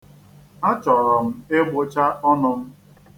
Achọrọ m ịgbucha ọnụ m.